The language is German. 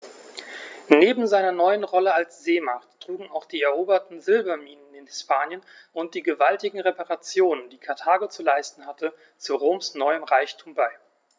Neben seiner neuen Rolle als Seemacht trugen auch die eroberten Silberminen in Hispanien und die gewaltigen Reparationen, die Karthago zu leisten hatte, zu Roms neuem Reichtum bei.